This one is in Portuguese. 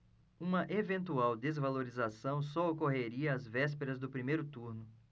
uma eventual desvalorização só ocorreria às vésperas do primeiro turno